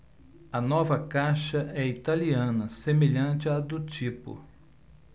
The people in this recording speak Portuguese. a nova caixa é italiana semelhante à do tipo